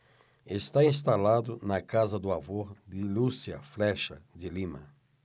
está instalado na casa do avô de lúcia flexa de lima